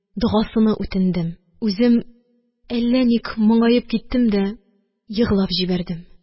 Догасыны үтендем. Үзем әллә ник моңаеп киттем дә еглап җибәрдем.